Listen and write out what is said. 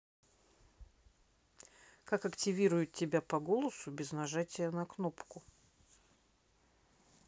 как активирует тебя по голосу без нажатия на кнопку